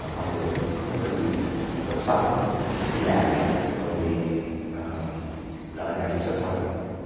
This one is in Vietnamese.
không được bất cứ một cái gì chỉ có sống đi làm rồi đợi ngày trục xuất thôi